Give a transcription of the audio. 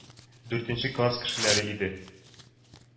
Дүртенче класс кешеләре иде.